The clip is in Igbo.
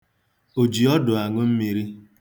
òjìọdụ̀àṅụmmīrī